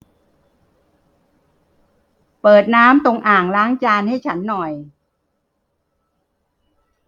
เปิดน้ำตรงอ่างล้างจานให้ฉันหน่อย